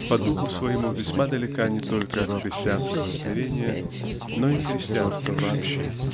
по духу своему весьма далека не только от христианского смирения но и христианства вообще.